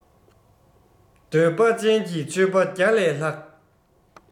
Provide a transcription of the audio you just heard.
འདོད པ ཅན གྱི ཆོས པ བརྒྱ ལས ལྷག